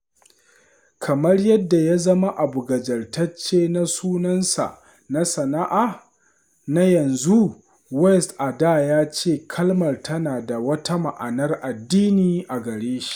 Kamar yadda ya zama abu gajartacce na sunansa na sana’a na yanzu, West a da ya ce kalmar tana da wata ma’anar addini a gare shi.